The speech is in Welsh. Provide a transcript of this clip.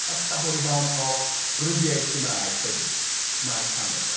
..a llawer iawn o ryddiaith Gymraeg hefyd, Cymraeg canol de.